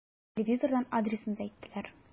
Телевизордан адресын да әйттеләр.